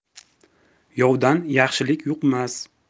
yovdan yaxshilik yuqmas